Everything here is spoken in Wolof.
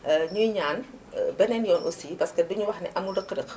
ñuy ñaan beneen yoon aussi parce que duñu wax ni amul rëkk rëkk